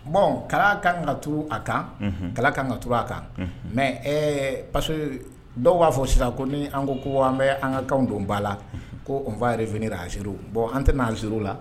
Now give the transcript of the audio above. Bon kala kanan ka t a kan kala kanan ka t a kan mɛ parce dɔw b'a fɔ sisan ko ni an ko ko an bɛ an ka kan don ba la ko nfaa yɛrɛf alizuru bɔn an tɛ nazuru la